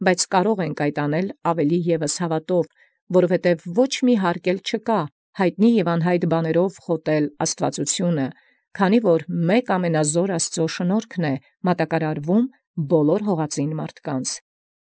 Եւ կարեմք այլ աւելի հաւատովք. քանզի և չկայ ինչ ի վերայ յայտնեաւք և ծածկականաւք զաստուածականն խոտել, քանզի միոյն Աստուծոյ ամենազաւրի շնորհք առ ամենայն ազգս երկրածնաց մատակարարին։